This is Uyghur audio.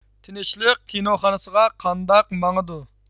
تىنچلىق كىنوخانىسىغا قانداق ماڭىدۇ